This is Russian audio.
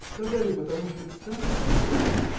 – Сказали, потому что кстати пришлось.